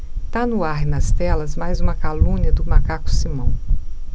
tá no ar e nas telas mais uma calúnia do macaco simão